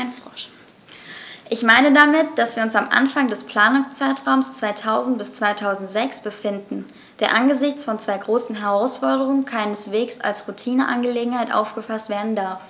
Ich meine damit, dass wir uns am Anfang des Planungszeitraums 2000-2006 befinden, der angesichts von zwei großen Herausforderungen keineswegs als Routineangelegenheit aufgefaßt werden darf.